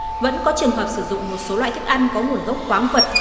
vẫn có trường hợp sử dụng một số loại thức ăn có nguồn gốc khoáng vật